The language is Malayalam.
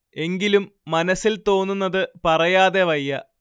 എങ്കിലും മനസ്സിൽ തോന്നുന്നത് പറയാതെ വയ്യ